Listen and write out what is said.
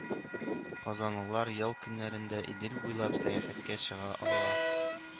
Казанлылар ял көннәрендә Идел буйлап сәяхәткә чыга ала.